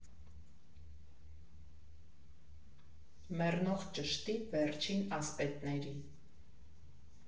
Մեռնող ճշտի վերջին ասպետների։